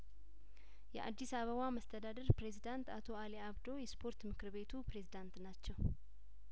የአዲስ አበባ መስተዳድር ፕሬዚዳንት አቶ አሊ አብዶ የስፖርት ምክር ቤቱ ፕሬዚዳንት ናቸው